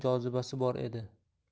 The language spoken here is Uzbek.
jozibasi bor edi